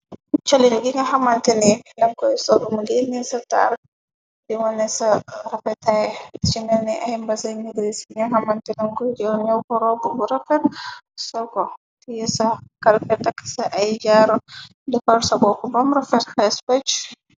Colin gi na xamante ne flam koy solumu leelnee sa targ di wane ca rafetaay ci melni ay mbasa nigric ñi xamantena koy jo ñow koroob bu rafer soko tiye sa kalfetakk sa ay jaaru defar sa bokku baom prafet t spach.